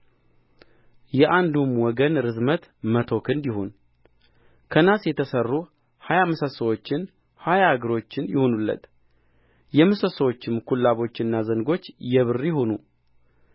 የአንዱም ወገን ርዝመት መቶ ክንድ ይሁን ከናስ የተሠሩ ሀያ ምሰሶችና ሀያ እግሮች ይሁኑለት የምሰሶቹም ኩላቦችና ዘንጎች የብር ይሁኑ